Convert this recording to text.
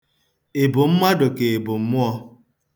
Ị bụ mmadụ ka ị bụ mmụọ?